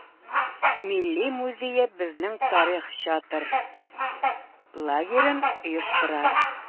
Милли музее Безнең тарих чатыр лагерен оештыра.